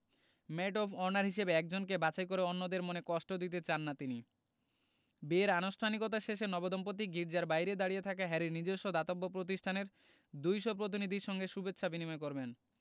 made of honour হিসেবে একজনকে বাছাই করে অন্যদের মনে কষ্ট দিতে চান না তিনি বিয়ের আনুষ্ঠানিকতা শেষে নবদম্পতি গির্জার বাইরে দাঁড়িয়ে থাকা হ্যারির নিজস্ব দাতব্য প্রতিষ্ঠানের ২০০ প্রতিনিধির সঙ্গে শুভেচ্ছা বিনিময় করবেন